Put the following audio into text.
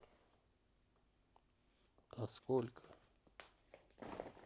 а сколько